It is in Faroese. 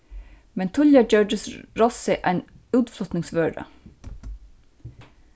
men tíðliga gjørdust rossið ein útflutningsvøra